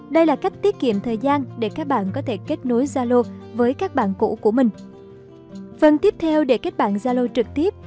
đây là cách tiết kiệm thời gian để các bạn có thể kết nối zalo với các bạn cũ của mình phần tiếp theo để kết bạn zalo trực tiếp